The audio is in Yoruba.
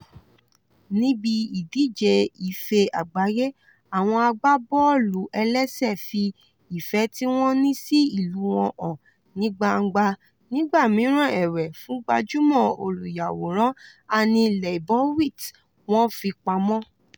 Níbi ìdíje Ife Àgbáyé, àwọn agbábọ́ọ̀lù ẹlẹ́sẹ̀ fi ìfẹ́ tí wọ́n ní sí ìlú wọn hàn ní gbangba nígbà mìíràn ẹ̀wẹ́, fún gbajúmọ̀ olùyàwòrán Annie Leibowitz, wọ́n fi pamọ́ .